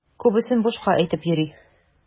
Күбесен бушка әйтеп йөри.